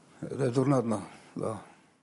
Yy ddy- ddiwrnod 'no. Do.